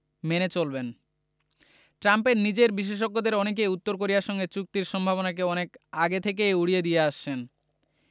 মেনে চলবেন ট্রাম্পের নিজের বিশেষজ্ঞদের অনেকেই উত্তর কোরিয়ার সঙ্গে চুক্তির সম্ভাবনাকে অনেক আগে থেকেই উড়িয়ে দিয়ে আসছেন